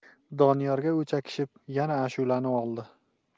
doniyorga o'chakishib yana ashulani oldi